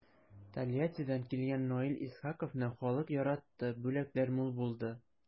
Тольяттидан килгән Наил Исхаковны халык яратты, бүләкләр мул булды.